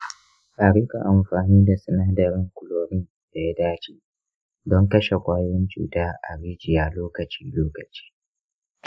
a rika amfani da sinadarin chlorine da ya dace don kashe ƙwayoyin cuta a rijiya lokaci-lokaci.